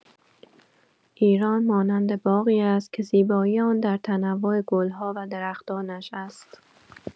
ایران مانند باغی است که زیبایی آن در تنوع گل‌ها و درختانش است.